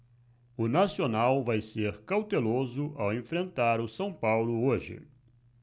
o nacional vai ser cauteloso ao enfrentar o são paulo hoje